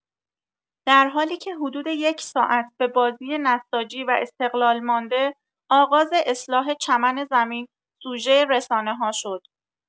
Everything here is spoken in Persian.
درحالی‌که حدود یک ساعت به بازی نساجی و استقلال مانده، آغاز اصلاح چمن زمین سوژه رسانه‌ها شد.